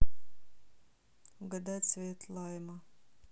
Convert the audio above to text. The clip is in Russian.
угадай цвет лайма